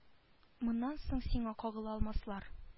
Моннан соң сиңа кагыла алмаслар